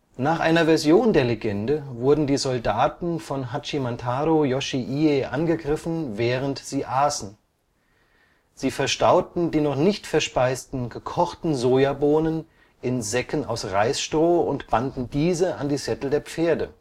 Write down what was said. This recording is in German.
Nach einer Version der Legende wurden die Soldaten von Hachimantarō Yoshiie angegriffen, während sie aßen. Sie verstauten die noch nicht verspeisten gekochten Sojabohnen in Säcken aus Reisstroh und banden diese an die Sättel der Pferde